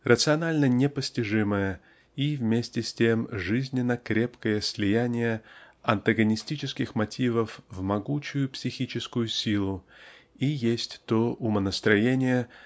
рационально непостижимое и вместе с тем жизненно-крепкое слияние антагонистических мотивов в могучую психическую силу и есть то умонастроение